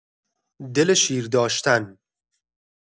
دل شیر داشتن